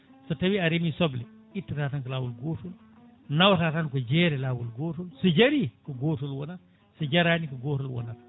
so tawi a reemi soble ittata tan ko lawol gotol nawa tan ko jeere lawol gotol so jaari ko gotol wonata so jarani ko gotol wonata